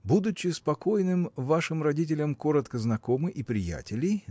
Будучи с покойным вашим родителем коротко знакомы и приятели